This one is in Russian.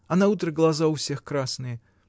А наутро глаза у всех красные.